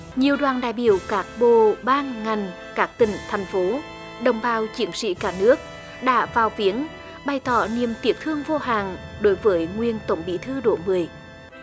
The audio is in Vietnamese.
nhiều đoàn đại biểu các bộ ban ngành các tỉnh thành phố đồng bào chiến sĩ cả nước đã vào viếng bày tỏ niềm tiếc thương vô hạn đối với nguyên tổng bí thư đỗ mười